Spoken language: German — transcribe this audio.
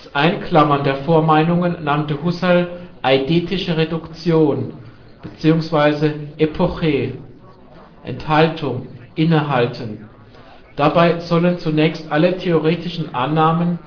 Einklammern der Vormeinungen nannte Husserl " eidetische Reduktion ", bzw. " Epoché " (Enthaltung, Innehalten). Dabei sollen zunächst alle theoretischen Annahmen